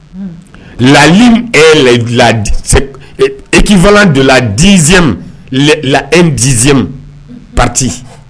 est la equivalent de la 10ème la L 10 ième partie